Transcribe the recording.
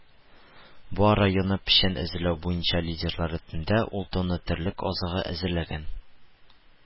Буа районы печән әзерләү буенча лидерлар рәтендә, ул тонна терлек азыгы әзерләгән